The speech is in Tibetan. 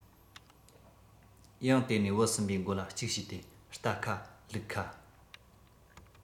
ཡང དེ ནས བུ གསུམ པའི མགོ ལ གཅིག ཞུས ཏེ རྟ ཁ ལུག ཁ